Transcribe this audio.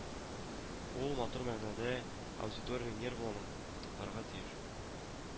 Ул, матур мәгънәдә, аудиториянең нервларын кытыкларга тиеш